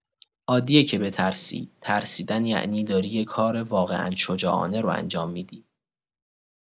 عادیه که بترسی، ترسیدن یعنی داری یه کار واقعا شجاعانه رو انجام می‌دی.